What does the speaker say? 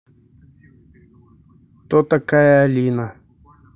кто такая алина